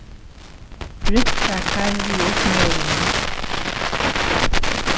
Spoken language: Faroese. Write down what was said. brúnka karry í smørinum